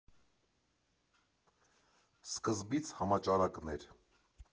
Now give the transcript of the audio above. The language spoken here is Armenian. Սկզբից համաճարակն էր։